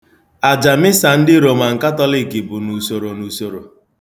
Aja misa ndị Roman Katọlik bụ n'usoro n'usoro.